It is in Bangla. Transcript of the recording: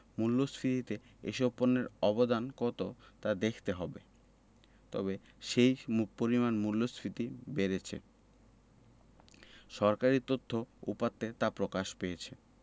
মূল্যস্ফীতিতে এসব পণ্যের অবদান কত তা দেখতে হবে তবে সেই পরিমাণ মূল্যস্ফীতি বেড়েছে সরকারি তথ্য উপাত্তে তা প্রকাশ পেয়েছে